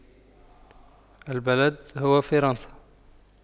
البلد هو فرنسا